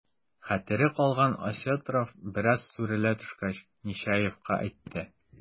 Хәтере калган Осетров, бераз сүрелә төшкәч, Нечаевка әйтте: